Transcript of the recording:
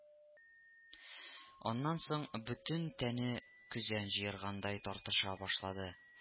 Аннан соң бөтен тәне көзән җыергандай тартыша башлады